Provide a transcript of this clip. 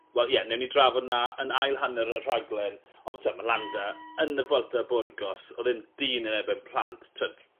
Wel ie newn ni drafod 'na yn ail hanner y rhaglen on' 'ma t'od ma' Landa yn y Vuelta a Burgos odd e'n dyn yn erbyn plant t'wod